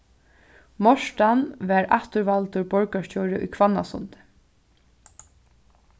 mortan varð afturvaldur borgarstjóri í hvannasundi